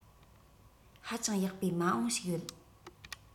ཧ ཅང ཡག པའི མ འོངས ཞིག ཡོད